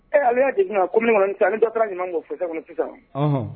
Ɛ ale'a jigin kɔmi da taara ɲuman ko fosa kɔnɔ sisan